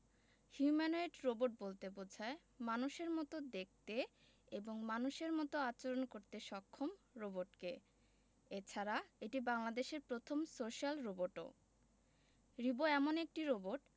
humanoid robot বলতে বোঝায় মানুষের মতো দেখতে এবং মানুষের মতো আচরণ করতে সক্ষম রোবটকে এছাড়া এটি বাংলাদেশের প্রথম সোশ্যাল রোবটও রিবো এমন এক রোবট